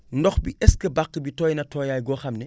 ndox bi est ce que bàq bi tooy na tooyaay goo xam ne